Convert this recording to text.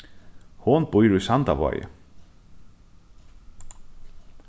hon býr í sandavági